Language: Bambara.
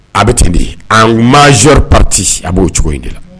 A bɛ ten n de ye mazori pati a b'o cogo in de la